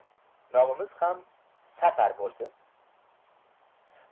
nomimiz ham safar bo'lsin